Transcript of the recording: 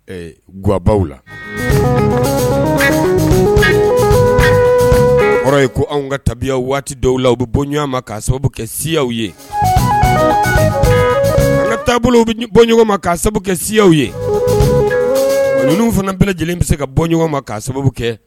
Ɛɛ gabaaw la yɔrɔ ye ko anw ka tabiya waati dɔw la bɛ bɔɲɔgɔn ma ka sababu kɛ siw ye an ka taabolo u bɔ ma ka sababu kɛ siw ye ninnu fana bɛɛ lajɛlen bɛ se ka bɔ ɲɔgɔn ma ka sababu kɛ